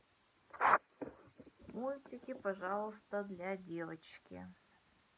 мультики пожалуйста для девочки